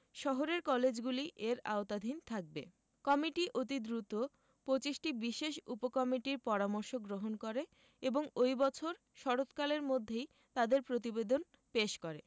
শহরের কলেজগুলি এর আওতাধীন থাকবে কমিটি অতি দ্রুত ২৫টি বিশেষ উপকমিটির পরামর্শ গ্রহণ করে এবং ওই বছর শরৎকালের মধ্যেই তাদের প্রতিবেদন পেশ করে